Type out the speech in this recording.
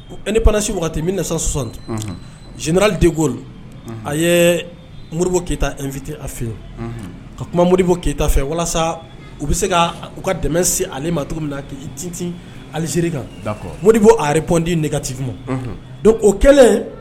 E ni pansi wagati min na sa sonsan jinaalili de ko a ye moribo ketafit a fɛ ka kuma moribo keyita fɛ walasa u bɛ se ka u ka dɛmɛ se ale ma cogo min na sint alize kan moribo a ripɔndi ne kati kuma don o kɛlen